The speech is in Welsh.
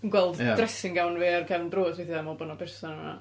yn gweld... ia. ...dressing gown fi ar gefn drws weithiau, meddwl bod 'na berson yna.